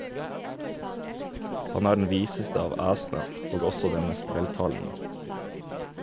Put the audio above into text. Han er den viseste av æsene og også den mest veltalende.